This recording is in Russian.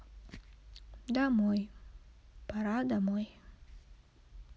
домой пора домой